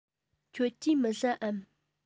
ཁྱེད ཀྱིས མི ཟ འམ